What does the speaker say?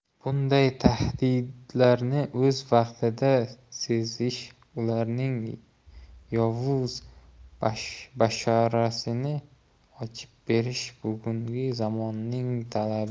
bunday tahdidlarni o'z vaqtida sezish ularning yovuz basharasini ochib berish bugungi zamonning talabi